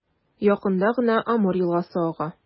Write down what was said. Якында гына Амур елгасы ага.